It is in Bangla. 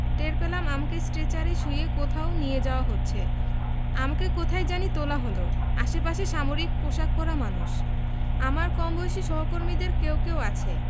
টের পেলাম আমাকে স্ট্রেচারে শুইয়ে কোথাও নিয়ে যাওয়া হচ্ছে আমাকে কোথায় জানি তোলা হলো আশেপাশে সামরিক পোশাক পরা মানুষ আমার কমবয়সী সহকর্মীদের কেউ কেউ আছে